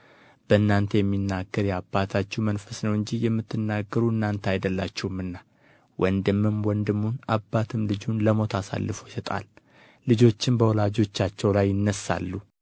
በእናንተ የሚናገር የአባታችሁ መንፈስ ነው እንጂ የምትናገሩ እናንተ አይደላችሁምና ወንድምም ወንድሙን አባትም ልጁን ለሞት አሳልፎ ይሰጣል ልጆችም በወላጆቻቸው ላይ ይነሣሉ